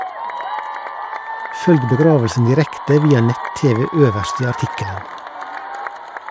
Følg begravelsen direkte via nett-tv øverst i artikkelen.